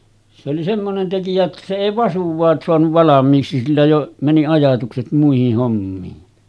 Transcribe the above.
se oli semmoinen tekijä että se ei vasuaan saanut valmiiksi sillä jo meni ajatukset muihin hommiin